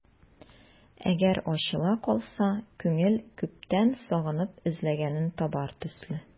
Әгәр ачыла калса, күңел күптән сагынып эзләгәнен табар төсле...